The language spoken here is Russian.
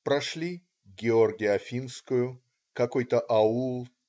Прошли Георгие-Афипскую, какой-то аул.